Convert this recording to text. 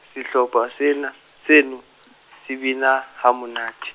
sehlopha sena, seno, se bina ha monate.